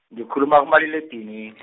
ngikhuluma kumaliledini-.